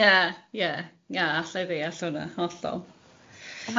Ie, ie, ie, allai ddeall hwnna, hollol.